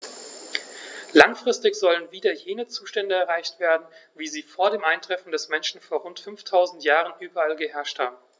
Langfristig sollen wieder jene Zustände erreicht werden, wie sie vor dem Eintreffen des Menschen vor rund 5000 Jahren überall geherrscht haben.